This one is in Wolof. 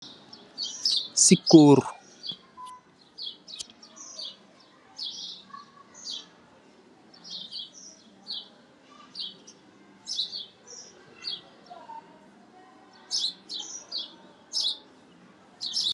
Sikoor